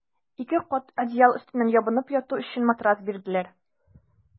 Ике кат одеял өстеннән ябынып яту өчен матрас бирделәр.